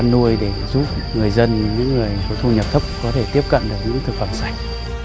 nuôi để giúp người dân những người có thu nhập thấp có thể tiếp cận được những thực phẩm sạch